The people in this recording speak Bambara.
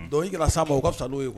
Dɔn kɛra sa ma o ko ka fisa sa' ye kuwa